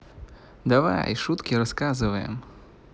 давай шутки рассказываем